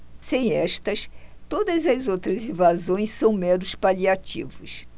sem estas todas as outras invasões são meros paliativos